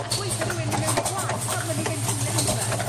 a gweu' 'tho rywun myn' mewn i gwaith pan ma' nw'n mynd trw labour?